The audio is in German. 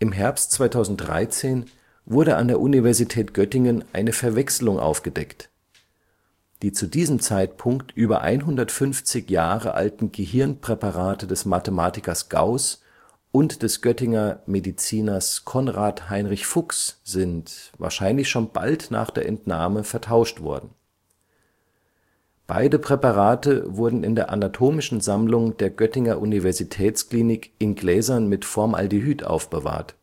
Herbst 2013 wurde an der Universität Göttingen eine Verwechslung aufgedeckt: Die zu diesem Zeitpunkt über 150 Jahre alten Gehirnpräparate des Mathematikers Gauß und des Göttinger Mediziners Conrad Heinrich Fuchs sind – wahrscheinlich schon bald nach der Entnahme – vertauscht worden. Beide Präparate wurden in der Anatomischen Sammlung der Göttinger Universitätsklinik in Gläsern mit Formaldehyd aufbewahrt